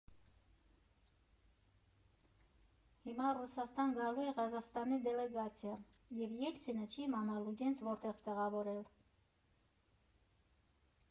Հիմա Ռուսաստան գալու է Ղազախստանի դելեգացիա, և Ելցինը չի իմանում իրենց որտեղ տեղավորել։